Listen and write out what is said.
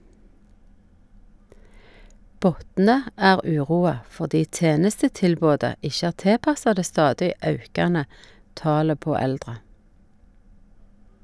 Botne er uroa, fordi tenestetilbodet ikkje er tilpassa det stadig aukande talet på eldre.